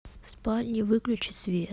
в спальне выключи свет